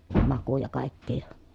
makuja kaikkia ja